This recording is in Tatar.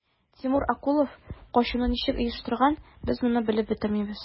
Тимур Акулов качуны ничек оештырган, без моны белеп бетермибез.